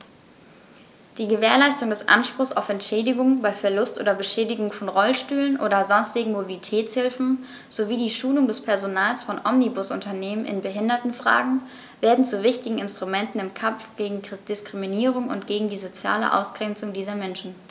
Die Gewährleistung des Anspruchs auf Entschädigung bei Verlust oder Beschädigung von Rollstühlen oder sonstigen Mobilitätshilfen sowie die Schulung des Personals von Omnibusunternehmen in Behindertenfragen werden zu wichtigen Instrumenten im Kampf gegen Diskriminierung und gegen die soziale Ausgrenzung dieser Menschen.